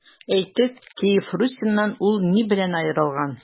Әйтик, Киев Русеннан ул ни белән аерылган?